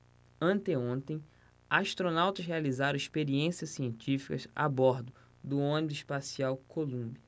anteontem astronautas realizaram experiências científicas a bordo do ônibus espacial columbia